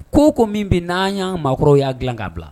Ko' ko min bɛ n'a y' maakɔrɔw y'a dilan k'a bila